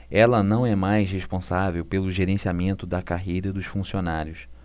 ela não é mais responsável pelo gerenciamento da carreira dos funcionários